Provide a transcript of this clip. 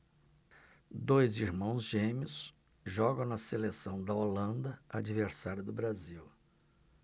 dois irmãos gêmeos jogam na seleção da holanda adversária do brasil